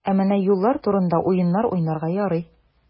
Ә менә юллар турында уеннар уйнарга ярый.